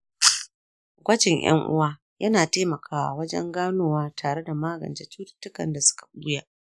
gwajin ‘yan uwa yana taimakawa wajen ganowa tare da magance cututtukan da suka ɓuya.